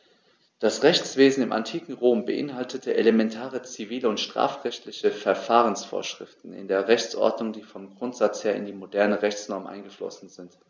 Das Rechtswesen im antiken Rom beinhaltete elementare zivil- und strafrechtliche Verfahrensvorschriften in der Rechtsordnung, die vom Grundsatz her in die modernen Rechtsnormen eingeflossen sind.